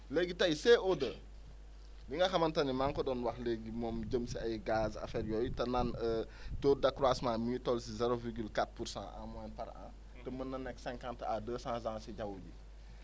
léegi tey CO2 bi nga xamante ne maa ngi ko doon wax léegi moom jëm si ay gaz affaire yooyu te naan taux d' accroissement am mu ngi toll si zero virgule quatre pour cent en moyenne par an te mën nanekk cinquante à deux cent ans si jaww ji